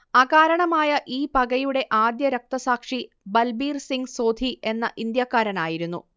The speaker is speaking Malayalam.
അകാരണമായ ഈ പകയുടെ ആദ്യ രക്തസാക്ഷി ബൽബീർ സിംഗ് സോധി എന്ന ഇന്ത്യക്കാരനായിരുന്നു